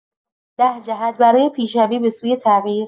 ده جهت برای پیشروی به‌سوی تغییر